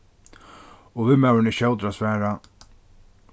og vinmaðurin er skjótur at svara